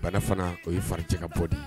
Bala fana o ye fari cɛ ka bɔ de